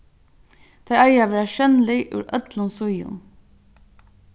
tey eiga at vera sjónlig úr øllum síðum